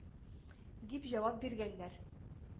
— дип җавап биргәннәр.